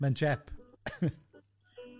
Mae'n tsiep .